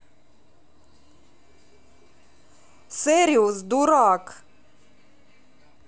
serious дурак